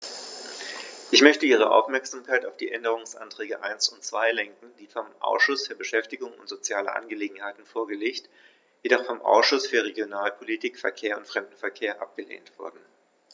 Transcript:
Ich möchte Ihre Aufmerksamkeit auf die Änderungsanträge 1 und 2 lenken, die vom Ausschuss für Beschäftigung und soziale Angelegenheiten vorgelegt, jedoch vom Ausschuss für Regionalpolitik, Verkehr und Fremdenverkehr abgelehnt wurden.